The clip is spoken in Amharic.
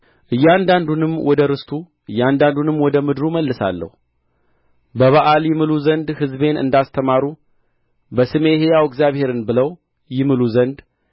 እያንዳንዱንም ወደ ምድሩ እመልሳለሁ በበኣል ይምሉ ዘንድ ሕዝቤን እንዳስተማሩ በስሜ ሕያው እግዚአብሔርን ብለው ይምሉ ዘንድ